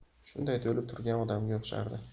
shunday bo'lib turgan odamga o'xshardi